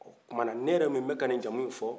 ɔɔ kuma na ne yɛrɛmin bɛ ka nin jamuyin fɔ